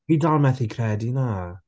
Dwi dal methu credu 'na.